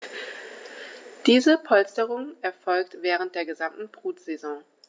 Diese Polsterung erfolgt während der gesamten Brutsaison.